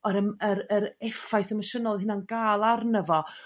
o'r yrm yr yr effaith emosiynol o'dd hynna'n ga'l arno fo.